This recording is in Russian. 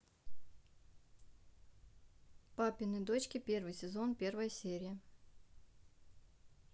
папины дочки первый сезон первая серия